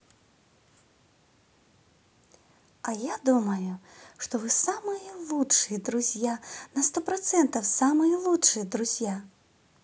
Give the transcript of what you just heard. а я думаю что вы самые лучшие друзья на сто процентов самые лучшие друзья